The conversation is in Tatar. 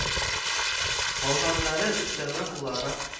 Калганнары өстәмә буларак